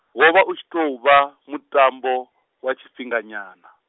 wo vha u tshi tou vha, mutambo, wa tshifhinga nyana.